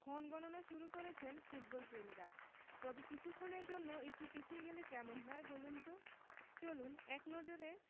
ক্ষণগণনা শুরু করেছেন ফুটবলপ্রেমীরা তবে কিছুক্ষণের জন্য একটু পিছিয়ে গেলে কেমন হয় বলুন তো চলুন এক নজরে